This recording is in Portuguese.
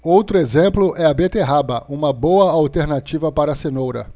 outro exemplo é a beterraba uma boa alternativa para a cenoura